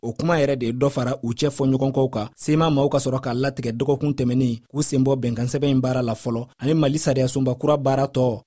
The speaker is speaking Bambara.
o kumaw yɛrɛ de ye dɔ fara u cɛ fɔɲɔgɔnkɔw kan sema mɔgɔw ka sɔrɔ k'a latigɛ dɔgɔkun tɛmɛnen in k'u sen bɔ bɛnkansɛbɛn in baaraw la fɔlɔ ani mali sariyasunba kura baara tɔ